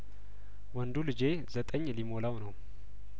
ወንዱ ልጄ ዘጠኝ ሊሞላው ነው